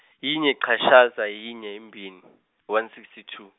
yinye chashaza yinye yimbili one sixty two.